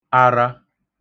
ara